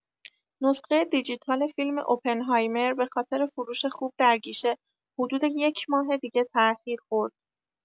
نسخه دیجیتال فیلم اوپنهایمر به‌خاطر فروش خوب در گیشه حدود یکماه دیگه تاخیر خورد.